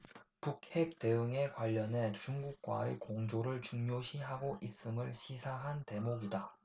북핵 대응과 관련해 중국과의 공조를 중요시하고 있음을 시사한 대목이다